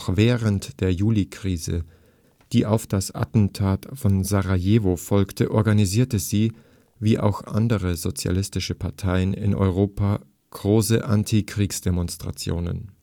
während der Julikrise, die auf das Attentat von Sarajevo folgte, organisierte sie – wie auch andere sozialistische Parteien in Europa – große Antikriegsdemonstrationen